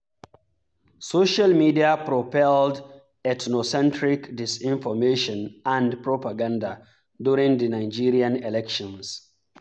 Social media propelled ethnocentric disinformation and propaganda during the Nigerian elections